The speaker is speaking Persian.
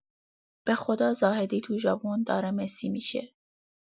بخدا زاهدی تو ژاپن داره مسی می‌شه.